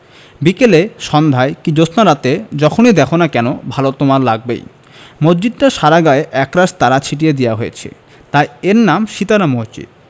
বিকেলে সন্ধায় কি জ্যোৎস্নারাতে যখনি দ্যাখো না কেন ভালো তোমার লাগবেই মসজিদটার সারা গায়ে একরাশ তারা ছিটিয়ে দেয়া হয়েছে তাই এর নাম সিতারা মসজিদ